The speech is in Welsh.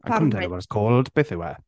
Couldn't tell you what it's called. Beth yw e?